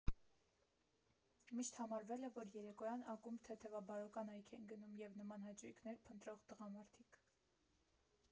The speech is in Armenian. Միշտ համարվել է, որ երեկոյան ակումբ թեթևաբարո կանայք են գնում, և նման հաճույքներ փնտրող տղամարդիկ։